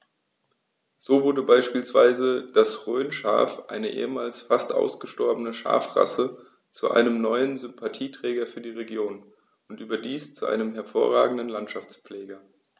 So wurde beispielsweise das Rhönschaf, eine ehemals fast ausgestorbene Schafrasse, zu einem neuen Sympathieträger für die Region – und überdies zu einem hervorragenden Landschaftspfleger.